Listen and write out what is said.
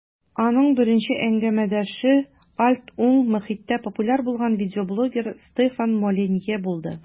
Аның беренче әңгәмәдәше "альт-уң" мохиттә популяр булган видеоблогер Стефан Молинье булды.